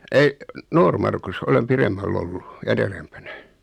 ei Noormarkussa olen pidemmällä ollut en edempänä